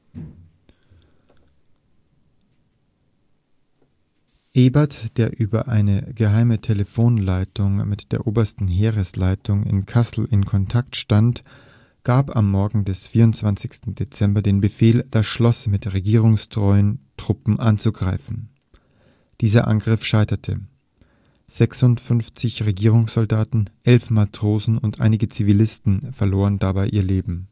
Sold. Ebert, der über eine geheime Telefonleitung mit der Obersten Heeresleitung in Kassel in Kontakt stand, gab am Morgen des 24. Dezember den Befehl, das Schloss mit regierungstreuen Truppen anzugreifen. Dieser Angriff scheiterte. 56 Regierungssoldaten, elf Matrosen und einige Zivilisten verloren dabei ihr Leben